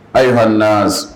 Ayiwaan